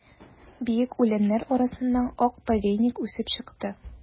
Биек үләннәр арасыннан ак повейник үсеп чыкты.